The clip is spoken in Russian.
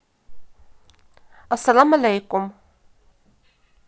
ассалам алейкум